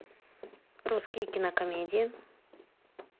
русские кинокомедии